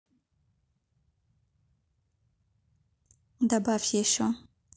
добавь еще